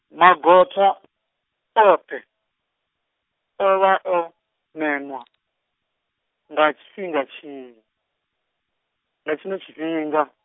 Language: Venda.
magota , oṱhe, o vha o memwa, nga tshifhinga tshino, nga tshino tshifhinga.